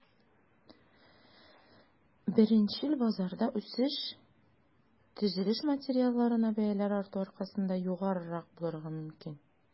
Беренчел базарда үсеш төзелеш материалларына бәяләр арту аркасында югарырак булырга мөмкин.